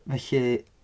Felly...